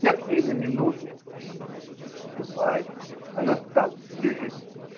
Я к ней на минуту!" "Ступай, она там лежит".